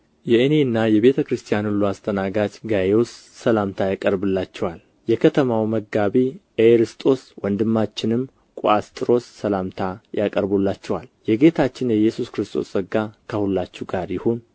የእኔና የቤተ ክርስቲያን ሁሉ አስተናጋጅ ጋይዮስ ሰላምታ ያቀርብላችኋል የከተማው መጋቢ ኤርስጦስ ወንድማችንም ቁአስጥሮስ ሰላምታ ያቀርቡላችኋል የጌታችን የኢየሱስ ክርስቶስ ጸጋ ከሁላችሁ ጋር ይሁን